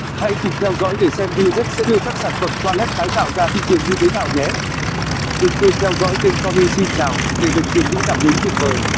hãy cùng theo dõi để xem bill gates sẽ đưa các sản phẩm toilet tái tạo ra thị trường như thế nào nhé đừng quên theo dõi kênh tony xin chào để được truyền những cảm hứng tuyệt vời